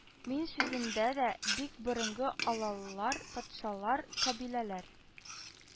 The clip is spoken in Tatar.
Мин сүзендә дә бик борынгы аллалар, патшалар, кабиләләр